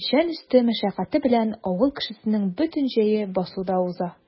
Печән өсте мәшәкате белән авыл кешесенең бөтен җәе басуда уза.